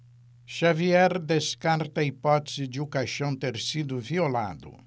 xavier descarta a hipótese de o caixão ter sido violado